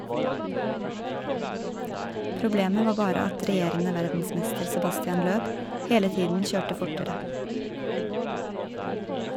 Problemet var bare at regjerende verdensmester Sebastian Loeb hele tiden kjørte fortere.